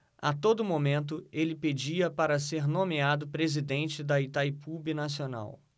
a todo momento ele pedia para ser nomeado presidente de itaipu binacional